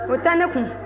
o tɛ ne kun